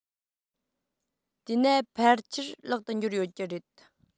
དེས ན ཕལ ཆེར ལག ཏུ འབྱོར ཡོད ཀྱི རེད